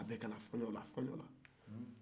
a bɛ ka na fiɲɛ la fɛn la